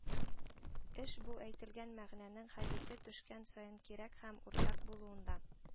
Эш бу әйтелгән мәгънәнең хаҗәте төшкән саен кирәк һәм уртак булуында